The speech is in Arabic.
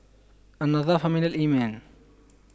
النظافة من الإيمان